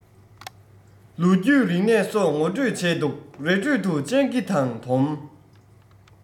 ལོ རྒྱུས རིག གནས སོགས ངོ སྤྲོད བྱས འདུག རི ཁྲོད དུ སྤྱང ཀི དང དོམ